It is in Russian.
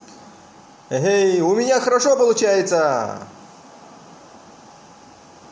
у меня хорошо получается